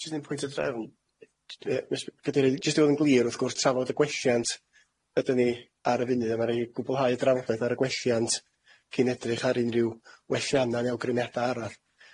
Jyst un pwynt o drefn yy cadeirydd jyst i fod yn glir wrth gwrs trafod y gwelliant ydyn ni ar y funud a ma' raid i gwblhau y drafodaeth ar y gwelliant cyn edrych ar unryw welliannau ne' awgrymiada arall.